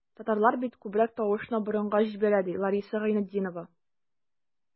Татарлар бит күбрәк тавышны борынга җибәрә, ди Лариса Гайнетдинова.